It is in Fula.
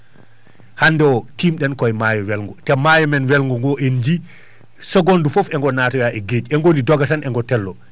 hannde o tiimɗen koye maayo welgo te maayo men welgo ngo en jii seconde fof ego natoya e gueji [wolof] egoni dooga tan ego tello